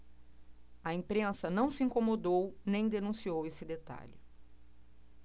a imprensa não se incomodou nem denunciou esse detalhe